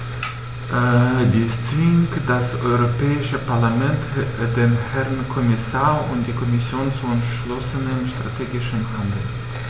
Dies zwingt das Europäische Parlament, den Herrn Kommissar und die Kommission zu entschlossenem strategischen Handeln.